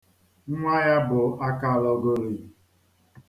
Nwa ya bụ àkàlòògòli.